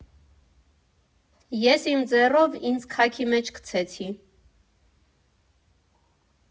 Ես իմ ձեռով ինձ քաքի մեջ գցեցի։